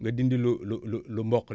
nga dindi lu lu lu lu mboq